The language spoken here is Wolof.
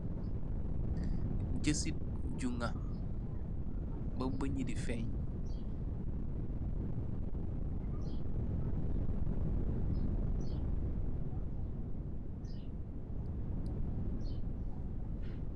Jësit ju ngah ba bauñ yi di feeñ.